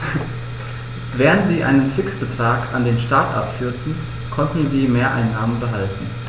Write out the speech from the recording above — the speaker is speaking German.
Während sie einen Fixbetrag an den Staat abführten, konnten sie Mehreinnahmen behalten.